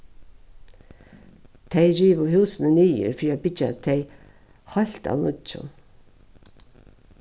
tey rivu húsini niður fyri at byggja tey heilt av nýggjum